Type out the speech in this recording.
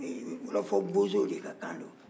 ɛɛ wɔlɔfɔ bosow de ka kan don